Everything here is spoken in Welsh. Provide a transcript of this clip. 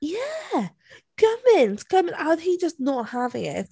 Ie, gymaint cymai- a oedd hi just not having it.